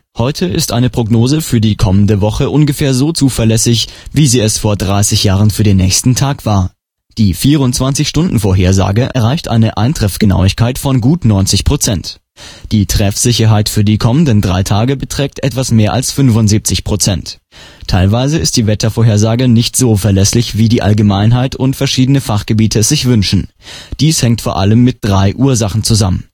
Heute ist eine Prognose für die kommende Woche ungefähr so zuverlässig, wie sie es vor dreißig Jahren für den nächsten Tag war. Die 24-Stunden-Vorhersage erreicht eine Eintreffgenauigkeit von gut neunzig Prozent. Die Treffsicherheit für die kommenden 3 Tage beträgt etwas mehr als 75%. Teilweise ist die Wettervorhersage nicht so verlässlich, wie die Allgemeinheit und verschiedene Fachgebiete es sich wünschen. Dies hängt vor allem mit drei Ursachen zusammen